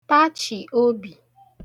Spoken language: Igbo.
tachì obì